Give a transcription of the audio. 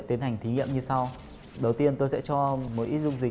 tiến hành thí nghiệm như sau đầu tiên tôi sẽ cho một ít dung dịch